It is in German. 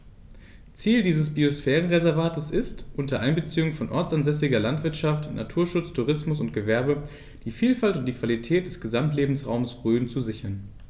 Ziel dieses Biosphärenreservates ist, unter Einbeziehung von ortsansässiger Landwirtschaft, Naturschutz, Tourismus und Gewerbe die Vielfalt und die Qualität des Gesamtlebensraumes Rhön zu sichern.